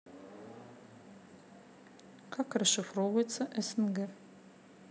как расшифровывается снг